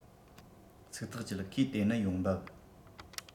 ཚིག ཐག བཅད ཁོས དེ ནི ཡོང འབབ